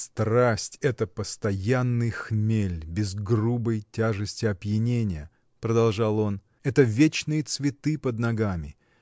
— Страсть — это постоянный хмель, без грубой тяжести опьянения, — продолжал он, — это вечные цветы под ногами.